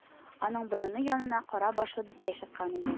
Аның борыны янына кара башлы бетчә чыккан иде